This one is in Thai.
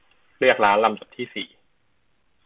เลือกร้านลำดับที่สี่